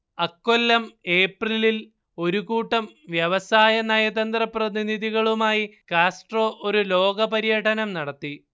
അക്കൊല്ലം ഏപ്രിലിൽ ഒരു കൂട്ടം വ്യവസായ നയതന്ത്ര പ്രതിനിധികളുമായി കാസ്ട്രോ ഒരു ലോക പര്യടനം നടത്തി